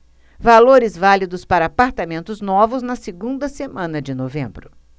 valores válidos para apartamentos novos na segunda semana de novembro